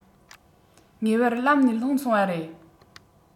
ངེས པར ལམ ནས ལྷུང སོང བ རེད